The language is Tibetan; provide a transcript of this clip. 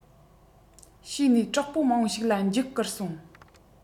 བྱས ནས གྲོགས པོ མང པོ ཞིག ལ འཇིགས སྐུལ སོང